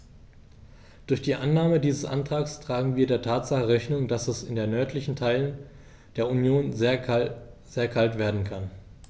Durch die Annahme dieses Antrags tragen wir der Tatsache Rechnung, dass es in den nördlichen Teilen der Union sehr kalt werden kann.